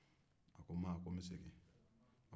a ko n bɛ segin ma